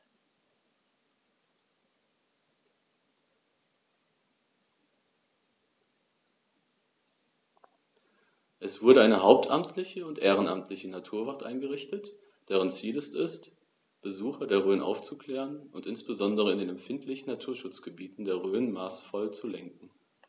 Es wurde eine hauptamtliche und ehrenamtliche Naturwacht eingerichtet, deren Ziel es ist, Besucher der Rhön aufzuklären und insbesondere in den empfindlichen Naturschutzgebieten der Rhön maßvoll zu lenken.